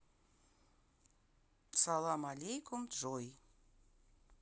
салам алейкум джой